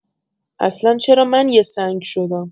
اصلا چرا من یه سنگ شدم؟!